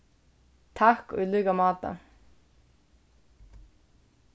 takk í líka máta